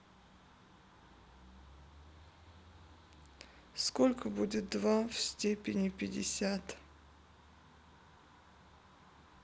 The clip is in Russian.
сколько будет два в степени пятьдесят